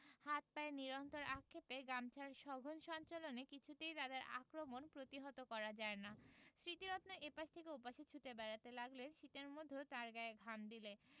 হাত পায়ের নিরন্তর আক্ষেপে গামছার সঘন সঞ্চালনে কিছুতেই তাদের আক্রমণ প্রতিহত করা যায় না স্মৃতিরত্ন এ পাশ থেকে ও পাশে ছুটে বেড়াতে লাগলেন শীতের মধ্যেও তাঁর গায়ে ঘাম দিলে